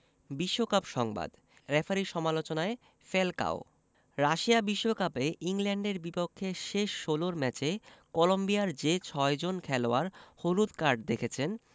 বিশ্বকাপ সংবাদ রেফারির সমালোচনায় ফ্যালকাও রাশিয়া বিশ্বকাপে ইংল্যান্ডের বিপক্ষে শেষ ষোলোর ম্যাচে কলম্বিয়ার যে ছয়জন খেলোয়াড় হলুদ কার্ড দেখেছেন